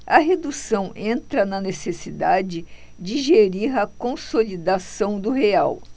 a redução entra na necessidade de gerir a consolidação do real